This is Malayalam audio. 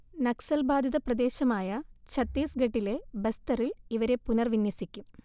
നക്സൽബാധിത പ്രദേശമായ ഛത്തീസ്ഗഢിലെ ബസ്തറിൽ ഇവരെ പുനർവിന്യസിക്കും